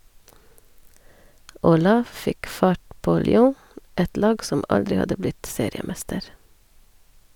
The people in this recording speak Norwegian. Aulas fikk fart på Lyon, et lag som aldri hadde blitt seriemester.